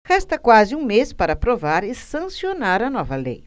resta quase um mês para aprovar e sancionar a nova lei